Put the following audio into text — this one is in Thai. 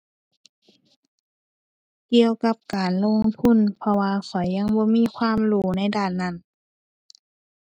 เกี่ยวกับการลงทุน เพราะว่าข้อยยังบ่มีความรู้ในด้านนั้น